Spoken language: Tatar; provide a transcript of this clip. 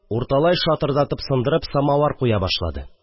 Урталай шатырдатып сындырып, самавыр куя башлады.